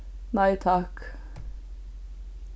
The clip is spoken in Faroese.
nei takk